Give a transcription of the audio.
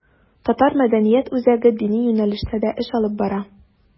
Татар мәдәният үзәге дини юнәлештә дә эш алып бара.